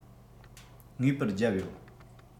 ངེས པར བརྒྱབ ཡོད